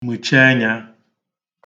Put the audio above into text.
mə̀chi enyā